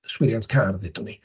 Yswiriant car, ddeudwn i.